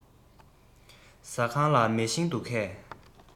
ཟ ཁང ལ མེ ཤིང འདུག གས